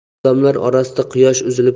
odamlar orasida quyosh uzilib